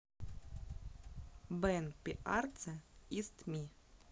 ben pearce is my